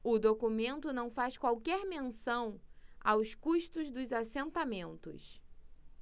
o documento não faz qualquer menção aos custos dos assentamentos